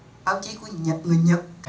báo chí của nhật người